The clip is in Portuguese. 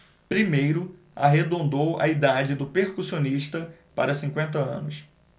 primeiro arredondou a idade do percussionista para cinquenta anos